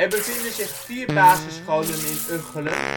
bevinden zich vier basisscholen in Ugchelen